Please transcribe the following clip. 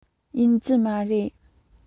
ཡིན གྱི མ རེད